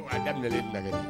A dalen bilakɛ